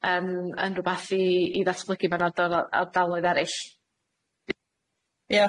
yym yn rwbath i i ddatblygu mewn ardalo- ardaloedd erill.